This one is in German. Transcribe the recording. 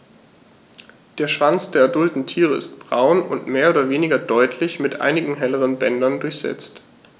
Der Schwanz der adulten Tiere ist braun und mehr oder weniger deutlich mit einigen helleren Bändern durchsetzt.